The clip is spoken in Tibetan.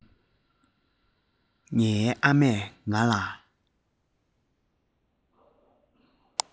ངའི ཨ མས ང ལ